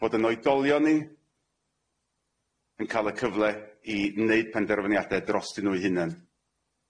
fod 'yn oedolion ni yn ca'l y cyfle i neud penderfyniade drostyn nw'i hunan.